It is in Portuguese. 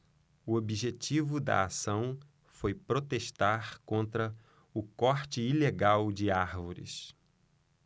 o objetivo da ação foi protestar contra o corte ilegal de árvores